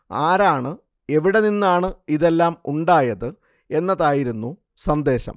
ആരാണ് എവിടെ നിന്നാണ് ഇതെല്ലാം ഉണ്ടായത് എന്നതായിരുന്നു സന്ദേശം